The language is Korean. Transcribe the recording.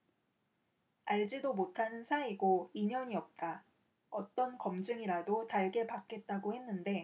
알지도 못하는 사이고 인연이 없다 어떤 검증이라도 달게 받겠다고 했는데